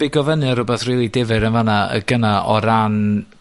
bigo fynnu ar rwbeth rili difyr yn fan 'na yy gyna o ran,